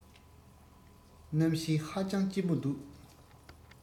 གནམ གཤིས ཧ ཅང སྐྱིད པོ འདུག